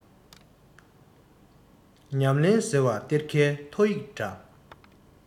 ཉམས ལེན ཟེར བ གཏེར ཁའི ཐོ ཡིག འདྲ